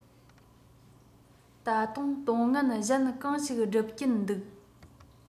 ད དུང དོན ངན གཞན གང ཞིག སྒྲུབ ཀྱིན འདུག